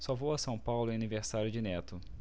só vou a são paulo em aniversário de neto